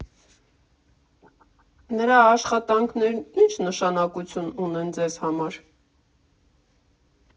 Նրա աշխատանքներն ի՞նչ նշանակություն ունեն Ձեզ համար։